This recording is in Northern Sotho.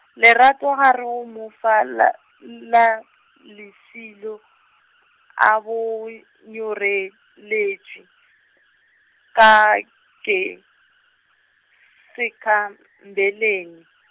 Lerato ga re o mo fa la, la lešilo, a bo n- nyoreletše, ka ke, sekhambelele.